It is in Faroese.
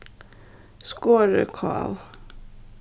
skorið kál